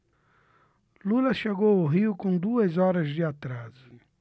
lula chegou ao rio com duas horas de atraso